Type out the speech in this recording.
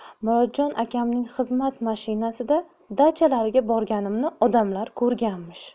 murodjon akamning slujebniy mashinasida dachalariga borganimni odamlar ko'rganmish